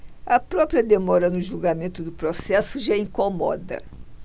a própria demora no julgamento do processo já incomoda